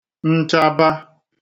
nchaba